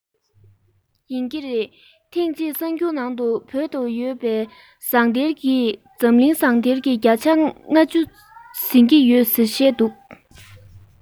ཡིན གྱི རེད ཐེངས གཅིག གསར འགྱུར ནང དུ བོད དུ ཡོད པའི ཟངས གཏེར གྱིས འཛམ གླིང ཟངས གཏེར གྱི བརྒྱ ཆ ལྔ བཅུ ཟིན གྱི ཡོད ཟེར བཤད འདུག